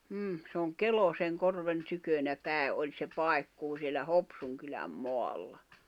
mm se on Kelosenkorven tykönä päin oli se paikkuu siellä Hopsun kylän maalla